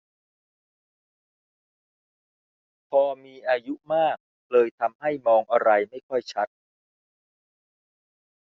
พอมีอายุมากเลยทำให้มองอะไรไม่ค่อยชัด